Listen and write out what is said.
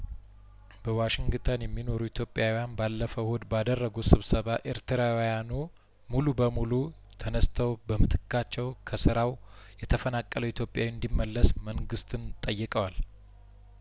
በዋሽንግተን የሚኖሩ ኢትዮጵያውያን ባለፈው እሁድ ባደረጉት ስብሰባ ኤርትራውያኑ ሙሉ በሙሉ ተነስተው በምት ካቸው ከስራው የተፈናቀለው ኢትዮጵያዊ እንዲመለስ መንግስትን ጠይቀዋል